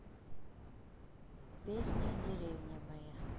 песня деревня моя